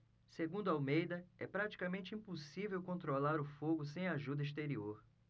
segundo almeida é praticamente impossível controlar o fogo sem ajuda exterior